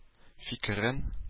Фикерен